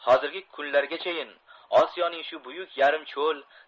hozirgi kunlargachayin osiyoning shu buyuk yarim cho'l